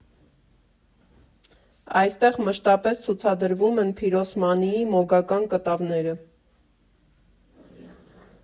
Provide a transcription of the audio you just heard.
Այստեղ մշտապես ցուցադրվում են Փիրոսմանիի մոգական կտավները։